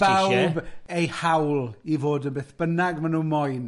Rhydd i bawb eu hawl i fod yn beth bynnag ma' nhw moyn.